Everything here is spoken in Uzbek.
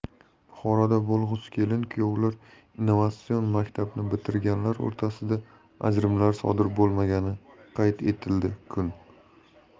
buxoroda bo'lg'usi kelin kuyovlar innovatsion maktabini bitirganlar o'rtasida ajrimlar sodir bo'lmagani qayd etildi kun